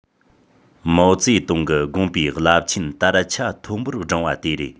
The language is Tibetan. མའོ ཙེ ཏུང གི དགོངས པའི རླབས ཆེན དར ཆ མཐོན པོར སྒྲེང བ དེ རེད